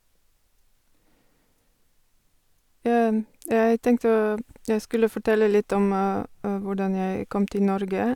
Jeg tenkte å jeg skulle fortelle litt om hvordan jeg kom til Norge.